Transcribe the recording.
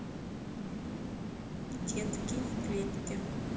детки в клетке